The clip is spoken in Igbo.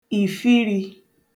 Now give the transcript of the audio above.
ìfirī